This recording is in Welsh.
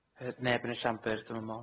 Yy neb yn y siambr dw'm yn me'wl.